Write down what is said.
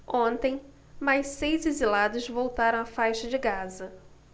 ontem mais seis exilados voltaram à faixa de gaza